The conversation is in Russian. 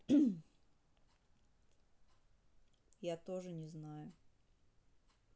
я тоже не знаю